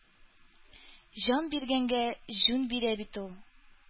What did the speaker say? Җан биргәнгә җүн бирә бит ул.